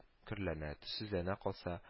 Көрләнә, төссезләнә калса